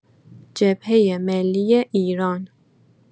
جبهه ملی ایران